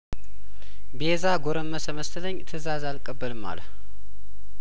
ቤዛ ጐረመሰ መሰለኝ ትእዛዝ አልቀበልም አለ